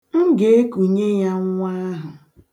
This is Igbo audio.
M ga-ekunye ya nwa ahụ.